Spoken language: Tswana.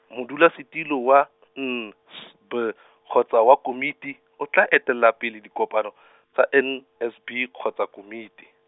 modulasetulo wa N S B , kgotsa wa komiti, o tla etela pele dikopano , tsa N S B kgotsa komiti.